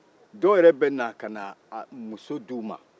dɔw yɛrɛ bɛ na ka na a muso d'u man